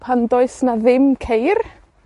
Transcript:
pan does 'na ddim ceir,